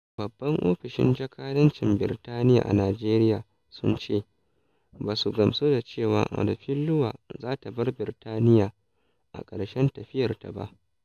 Babban Ofishin Jakadancin Birtaniya a Nijeriya sun ce "ba su gamsu" da cewa Olofinlua za ta bar Birtaniya a ƙarshen tafiyarta ba.